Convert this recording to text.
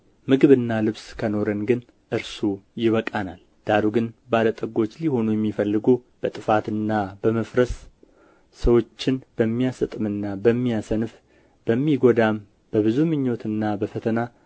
ምግብና ልብስ ከኖረን ግን እርሱ ይበቃናል ዳሩ ግን ባለ ጠጎች ሊሆኑ የሚፈልጉ በጥፋትና በመፍረስ ሰዎችን በሚያሰጥምና በሚያሰንፍ በሚጎዳም በብዙ ምኞትና በፈተና